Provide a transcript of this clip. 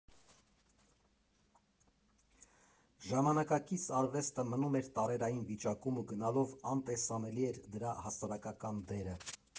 Ժամանակակից արվեստը մնում էր տարերային վիճակում ու գնալով անտեսանելի էր դրա հասարակական դերը։